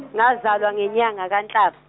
ngazalwa ngenyanga kaNhlaba.